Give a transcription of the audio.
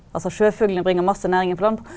altså sjøfuglene bringer masse næring inn på land.